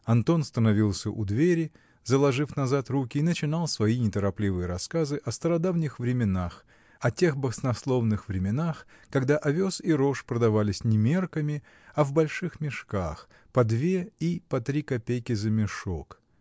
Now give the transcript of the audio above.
Антон становился у двери, заложив назад руки, и начинал свои неторопливые рассказы о стародавних временах, о тех баснословных временах, когда овес и рожь продавались не мерками, а в больших мешках, по две и по три копейки за мешок